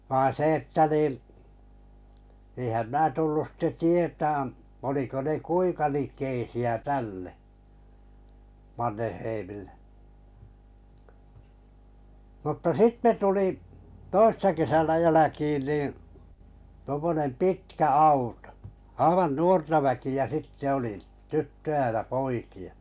vaan se että niin eihän minä tullut sitten tietämään oliko ne kuinka likeisiä tälle Mannerheimille mutta sitten tuli toissa kesänä jälkiin niin tuommoinen pitkä auto aivan nuorta väkeä sitten oli tyttöjä ja poikia